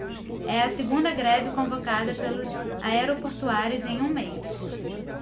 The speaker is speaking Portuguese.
é a segunda greve convocada pelos aeroportuários em um mês